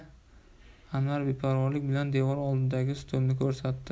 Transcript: anvar beparvolik bilan devor oldidagi stolni ko'rsatdi